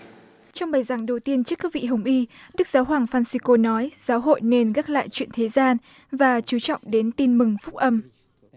trong bài giảng đầu tiên trước các vị hồng y đức giáo hoàng phan si cô nói giáo hội nên gác lại chuyện thế gian và chú trọng đến tin mừng phúc âm